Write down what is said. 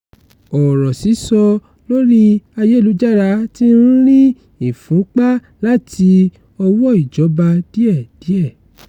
Ọ̀rọ̀ sísọ lórí ayélujára ti ń rí ìfúnpa láti ọwọ́ ìjọba díẹ̀ díẹ̀.